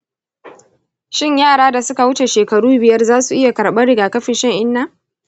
shin yara da suka wuce shekaru biyar za su iya karɓar rigakafin shan-inna?